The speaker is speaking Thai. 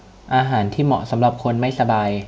อาหารที่เหมาะสำหรับคนไม่สบาย